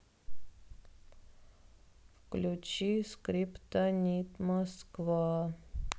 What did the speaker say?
включи скриптонит москва